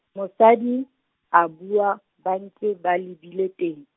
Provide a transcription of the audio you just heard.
mosadi, a bua, ba ntse ba lebile teng.